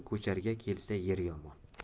ko'charga kelsa yer yomon